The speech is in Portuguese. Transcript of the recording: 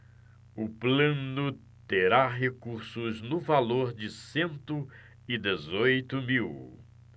o plano terá recursos no valor de cento e dezoito mil